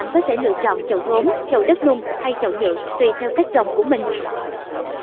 bạn có thể lựa chọn chậu gốm chậu đất nung hay chậu nhựa tuỳ theo cách trồng của mình